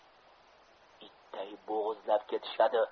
itday bo'g'izlab ketishadi